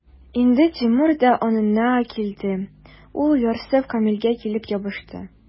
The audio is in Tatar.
Инде Тимур да аңына килде, ул, ярсып, Камилгә килеп ябышты.